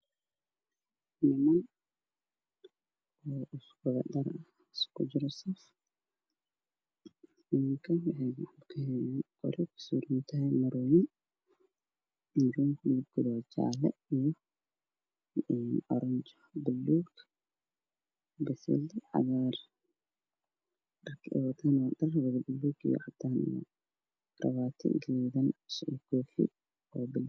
Niman isku wada dhar ah ku jiro saf nimanka marooyinka midabkoda waa wada jaalo oranji baluug dharka ay wataana waa dhar wada gaduudan koofi